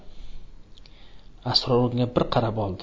sror unga bir qarab oldi